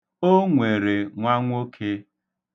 O nwere nwa nwoke.